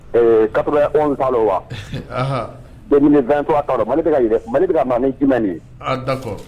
Ee kato' wa de bɛ tɔgɔ' ma mali bɛ jumɛn nin